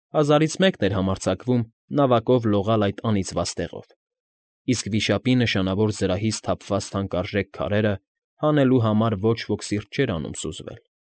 Հազարից մեկն էր համարձակվում նավակով լողալ այդ անիծյալ տեղով, իսկ վիշապի նշանավոր զրահից թափված թանկարժեք քարերը հանելու համար ոչ ոք սիրտ չէր անում սուզվել։